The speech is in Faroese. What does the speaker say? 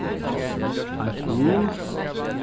eitt ur